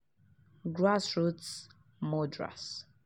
Grassroots murderers